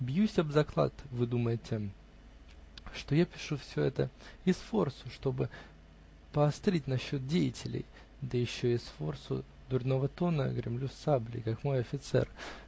Бьюсь об заклад, вы думаете, что я пишу все это из форсу, чтоб поострить насчет деятелей, да еще из форсу дурного тона гремлю саблей, как мой офицер.